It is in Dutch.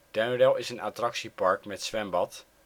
Duinrell is een attractiepark met zwembad